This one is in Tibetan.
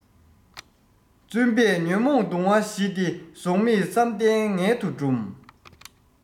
བཙུན པས ཉོན མོངས གདུང བ ཞི སྟེ གཟུགས མེད བསམ གཏན མངལ དུ སྦྲུམ